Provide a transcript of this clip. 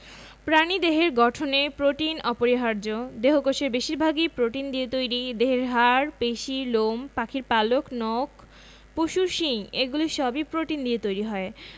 প্রাণীদেহের গঠনে প্রোটিন অপরিহার্য দেহকোষের বেশির ভাগই প্রোটিন দিয়ে তৈরি দেহের হাড় পেশি লোম পাখির পালক নখ পশুর শিং এগুলো সবই প্রোটিন দিয়ে তৈরি হয়